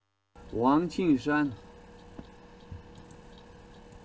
ཝང ཆི ཧྲན